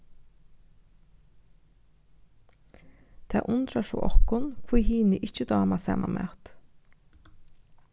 tað undrar so okkum hví hini ikki dáma sama mat